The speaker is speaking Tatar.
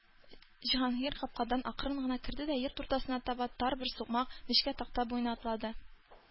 Җиһангир капкадан акрын гына керде дә йорт уртасына таба тар бер сукмак—нечкә такта буенча атлады.